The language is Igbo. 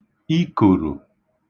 ikòrò